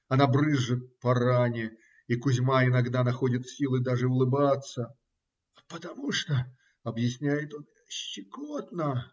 Она брызжет по ране, и Кузьма иногда находит силы даже улыбаться, "потому что, объясняет он, щекотно".